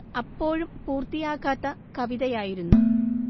അപ്പോഴും പൂർത്തിയാകാത്ത കവിതയായിരുന്നു